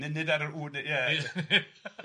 Nid nid ar yr w, ia,